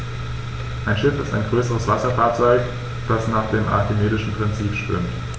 Ein Schiff ist ein größeres Wasserfahrzeug, das nach dem archimedischen Prinzip schwimmt.